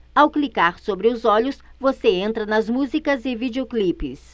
ao clicar sobre os olhos você entra nas músicas e videoclipes